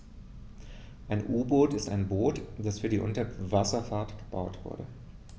Ein U-Boot ist ein Boot, das für die Unterwasserfahrt gebaut wurde.